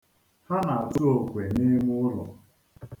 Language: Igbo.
Ha na-atụ okwe n'ime ụlọ.